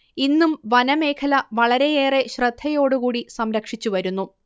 ഇന്നും വനമേഖല വളരെയേറെ ശ്രദ്ധയോടുകൂടി സംരക്ഷിച്ചു വരുന്നു